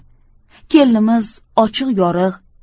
kelinimiz ochiq yoriq